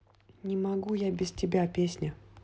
не могу я без тебя песня